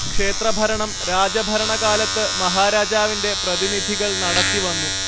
ക്ഷേത്രഭരണം രാജഭരണകാലത്ത് മഹാരാജാവിന്റെ പ്രതിനിധികൾ നടത്തിവന്നു